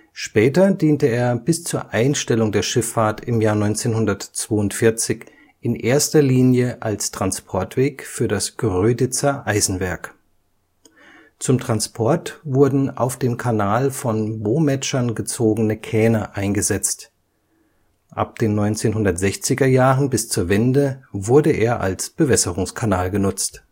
Später diente er bis zur Einstellung der Schifffahrt im Jahre 1942 in erster Linie als Transportweg für das Gröditzer Eisenwerk. Zum Transport wurden auf dem Kanal von Bomätschern gezogene Kähne eingesetzt. Ab den 1960er Jahren bis zur Wende wurde er als Bewässerungskanal genutzt